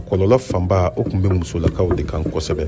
o kɔlɔlɔ fanba o tun bɛ musolakaw de kan kosɛbɛ